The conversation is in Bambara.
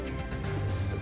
San yo